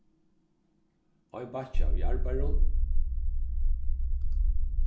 ein bakki av jarðberum